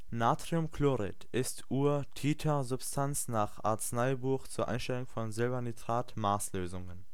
Natriumchlorid ist Urtitersubstanz nach Arzneibuch zur Einstellung von Silbernitrat-Maßlösungen